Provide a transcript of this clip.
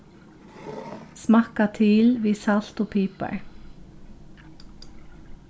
smakka til við salt og pipar